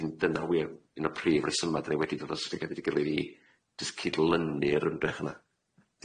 A dyna wir un o'r prif resyma' dyn ni wedi dod y strategaeth wedi gylid i jys cyd-lynu'r ymdrech yna.